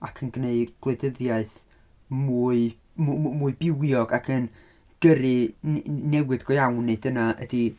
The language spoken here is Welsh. Ac yn gwneud gwleidyddiaeth mwy m- mwy bywiog ac yn gyrru n- n- newid go iawn neu dyna ydy...